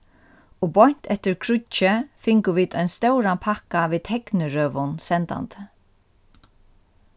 og beint eftir kríggið fingu vit ein stóran pakka við teknirøðum sendandi